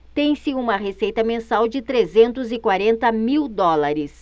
tem-se uma receita mensal de trezentos e quarenta mil dólares